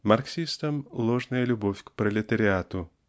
марксистам -- ложная любовь к пролетариату.